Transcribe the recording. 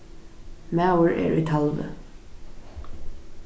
maður er í talvi